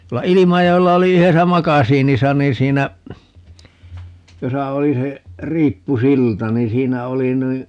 tuolla Ilmajoella oli yhdessä makasiinissa niin siinä jossa oli se riippusilta niin siinä oli noin